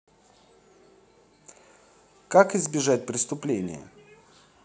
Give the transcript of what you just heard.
как избежать преступления